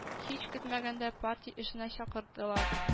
Һич көтмәгәндә партия эшенә чакырдылар